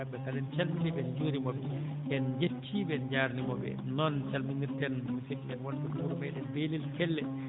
kamɓe kala en calminii ɓe en njuuriima ɓe en njettii ɓe en njaarniima ɓe noon calminirten musidɓe men wonɓe ɗo wuro meɗen Belel Kelle